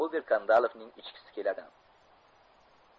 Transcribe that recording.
ober kandalovning ichgisi keladi